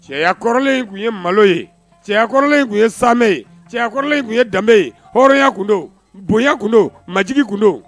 Cɛyaɔrɔnlen tun ye malo ye cɛyaɔrɔnlen tun ye samɛ ye cɛɔrɔnlen tun ye danbebe ye hɔrɔnya tun don bonya tun maj kun don